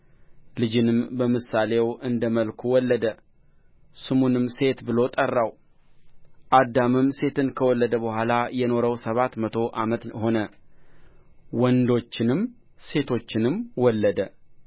ልጅንም በምሳሌው እንደ መልኩ ወለደ ስሙንም ሴት ብሎ ጠራው አዳምም ሴትን ከወለደ በኋላ የኖረው ሰባት መቶ ዓመት ሆነ ወንዶችንም ሴቶችንም ወለደ